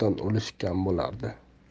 o'lish kam bo'lardi